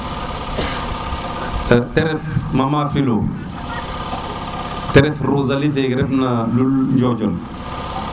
te ref Maman Philo te ref Rosolie fe ref na lul njonjon